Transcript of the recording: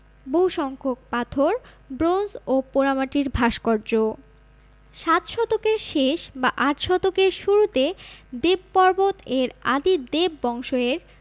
বহু সংখ্যক পাথর ব্রোঞ্জ ও পোড়ামাটির ভাস্কর্য সাত শতকের শেষ বা আট শতকের শুরুতে দেবপর্বত এর আদি দেব বংশ এর